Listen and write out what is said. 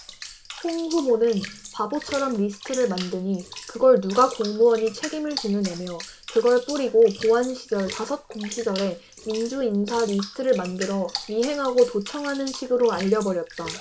홍 후보는 바보처럼 리스트를 만드니 그걸 누가 공무원이 책임을 지느냐며 그걸 뿌리고 보안시절 다섯 공시절에 민주인사 리스트를 만들어 미행하고 도청하는 식으로 알려 버렸다